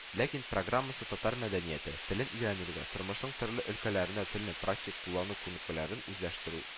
Ләкин программасы татар мәдәнияте, телен өйрәнүгә, тормышның төрле өлкәләренә телне практик куллану күнекмәләрен үзләштерү